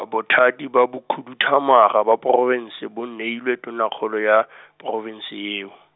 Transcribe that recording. a bothati ba bokhuduthamaga ba porofense bo neilwe Tonakgolo ya , Porofense eo.